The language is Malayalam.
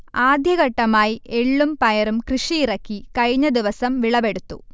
ആദ്യഘട്ടമായി എള്ളും പയറും കൃഷിയിറക്കി കഴിഞ്ഞദിവസം വിളവെടുത്തു